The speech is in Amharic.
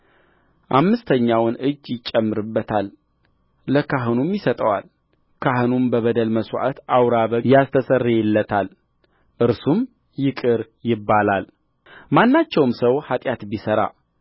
አምስተኛውንም እጅ ይጨምርበታል ለካህኑም ይሰጠዋል ካህኑም በበደል መሥዋዕት አውራ በግ ያስተሰርይለታል እርሱም ይቅር ይባላልማናቸውም ሰው ኃጢአት ቢሠራ